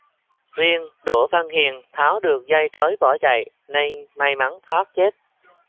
riêng đỗ văn hiền tháo được dây trói bỏ chạy nên may mắn thoát chết